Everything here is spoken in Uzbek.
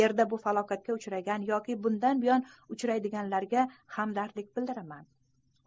yerda bu falokatga uchragan yoki bundan buyon uchraydiganlarga hamdardlik bildiraman